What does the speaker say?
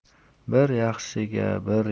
bir yaxshiga bir